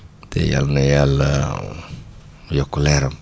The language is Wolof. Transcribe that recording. te yal na yàlla yokk leeram